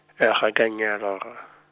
ga ke a nyala rra.